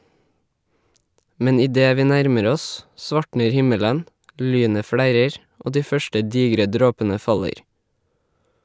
Men idet vi nærmer oss, svartner himmelen, lynet flerrer , og de første digre dråpene faller.